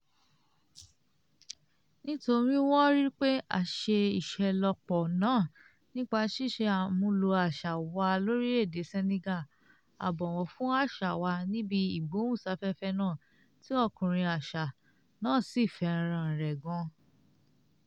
Nítorí wọ́n ríi pé a ṣe ìṣelọ́pọ̀ náà nípa sísàmúlò àṣà wa lórílẹ̀ èdè Senegal...a bọ̀wọ̀ fún àṣà wa níbi ìgbóhùnsáfẹ́fẹ́ náà tí "ọkùnrin àṣà" náà sì fẹ́ràn rẹ̀ gan-an.